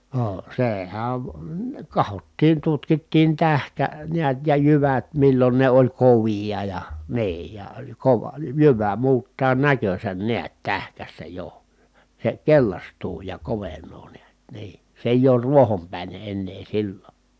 no sehän katsottiin tutkittiin tähkä näet ja jyvät milloin ne oli kovia ja niin ja kova jyvä muuttaa näkönsä näet tähkässä jo se kellastuu ja kovenee näet niin se ei ole ruohonpäinen ennen silloin